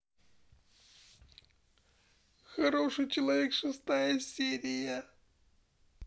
хороший человек шестая серия